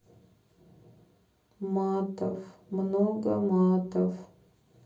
матов много матов